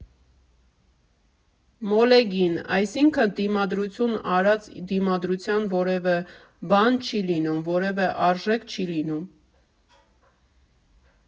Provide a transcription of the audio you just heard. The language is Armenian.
Մոլեգին, այսինքն՝ դիմադրություն, առանց դիմադրության որևէ բան չի լինում, որևէ արժեք չի լինում։